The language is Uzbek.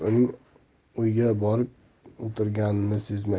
yigit uning o'yga borib o'tirganini sezmay